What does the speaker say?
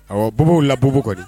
Ɔwɔ bobow lka bobo kɔni: